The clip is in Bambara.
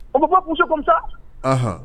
U bɛ ko muso kosa aɔn